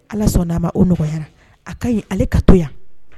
Ala sɔnn'a ma o nɔgɔyara a kaɲi ale ka to yan